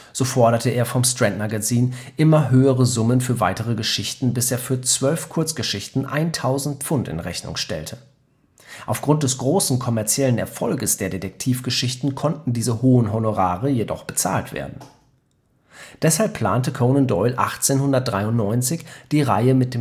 So forderte er vom Strand-Magazin immer höhere Summen für weitere Geschichten, bis er für zwölf Kurzgeschichten 1000 Pfund in Rechnung stellte. Aufgrund des großen kommerziellen Erfolges der Detektivgeschichten konnten diese hohen Honorare jedoch bezahlt werden. Deshalb plante Conan Doyle 1893, die Reihe mit